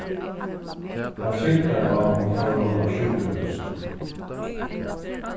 av trygdarávum fór hon á sjúkrahúsið